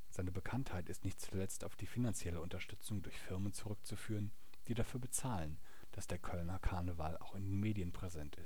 Seine Bekanntheit ist nicht zuletzt auf die finanzielle Unterstützung durch Firmen zurückzuführen, die dafür bezahlen, dass der Kölner Karneval auch in den Medien präsent